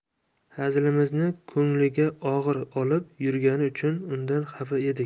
hazilimizni ko'ngliga og'ir olib yurgani uchun undan xafa edik